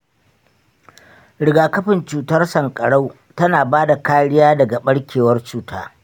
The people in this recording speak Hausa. riga-kafin cutar sanƙarau tana bada kariya daga ɓarkewar cutar.